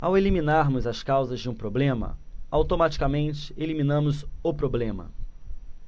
ao eliminarmos as causas de um problema automaticamente eliminamos o problema